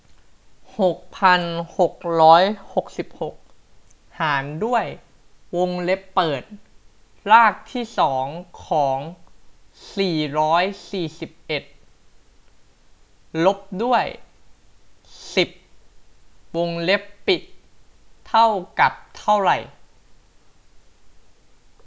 หกพันหกร้อยหกสิบหกหารด้วยวงเล็บเปิดรากที่สองของสี่ร้อยสี่สิบเอ็ดลบด้วยสิบวงเล็บปิดเท่ากับเท่าไหร่